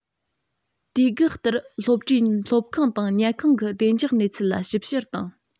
དུས བཀག ལྟར སློབ གྲྭའི སློབ ཁང དང ཉལ ཁང གི བདེ འཇགས གནས ཚུལ ལ ཞིབ བཤེར དང